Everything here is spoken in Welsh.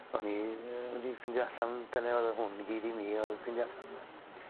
o'n i yy o'n i'n ffindio allan dyne o'dd y hwn i gyd i mi o'dd ffindio allan 'de?